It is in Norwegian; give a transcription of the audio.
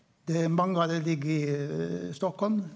det er mange av dei ligg i Stockholm.